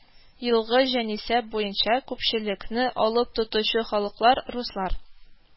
Елгы җанисәп буенча күпчелекне алып торучы халыклар: руслар